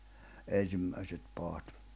ensimmäiset padat